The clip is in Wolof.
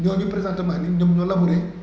ñooñu présentement ñoom ñoo labouré